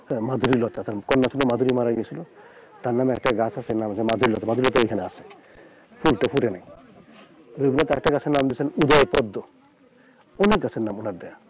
মাধুরীলতা তার কন্যা ছিল মাধুরী মারা গিয়েছিল তার নামে একটা গাছ আছে মাধুরীলতা মাধুরীলতা এখানে আছে ফুলটা ফোটে নাই রবীন্দ্রনাথ আরেকটা গাছের নাম দিয়েছেন উদয় পদ্ম অনেক গাছের নাম উনার দেওয়া